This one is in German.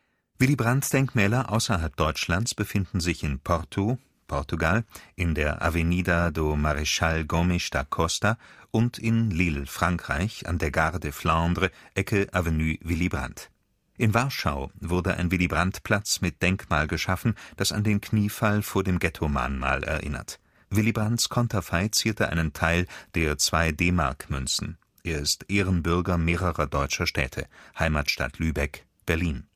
Willy-Brandt-Denkmäler außerhalb Deutschlands befinden sich in Porto (Portugal) in der Avenida do Marechal Gomes da Costa und in Lille (Frankreich) an der Gare de Flandres Ecke Avenue Willy Brandt. In Warschau wurde ein Willy-Brandt-Platz mit Denkmal geschaffen, das an den Kniefall vor dem Ghettomahnmal erinnert. Sein Konterfei zierte einen Teil der 2-DM-Münzen. Er ist Ehrenbürger mehrerer deutscher Städte (Heimatstadt Lübeck, Berlin